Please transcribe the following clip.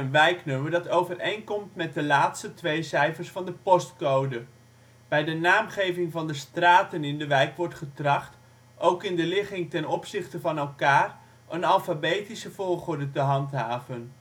wijknummer dat overeenkomt met de laatste twee cijfers van de postcode. Bij de naamgeving van de straten in de wijk wordt getracht, ook in de ligging ten opzichte van elkaar, een alfabetische volgorde te handhaven